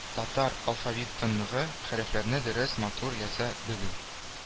Татар алфавитынгы хəрефлəрне дөрес, матур яза белү;